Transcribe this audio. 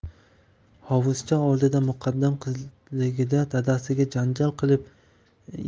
hovuzcha oldida muqaddam qizligida dadasiga janjal qilib